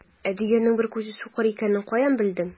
Ә дөянең бер күзе сукыр икәнен каян белдең?